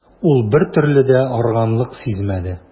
Ул бертөрле дә арыганлык сизмәде.